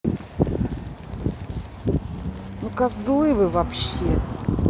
ну козлы вы вообще